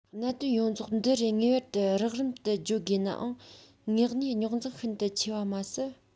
གནད དོན ཡོངས རྫོགས འདི རུ ངེས པར དུ རགས རིམ དུ བརྗོད དགོས ནའང དངོས གནས རྙོག འཛིང ཤིན ཏུ ཆེ བ མ ཟད